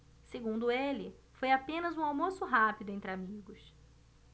segundo ele foi apenas um almoço rápido entre amigos